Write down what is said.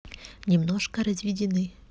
немножко разведены